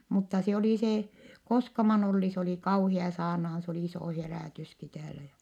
mutta se oli se Koskaman Olli se oli kauhea saarnaamaan se oli iso herätyskin täällä ja